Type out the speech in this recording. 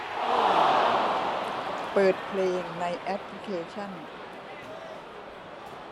เปิดเพลงในแอปพลิเคชั่น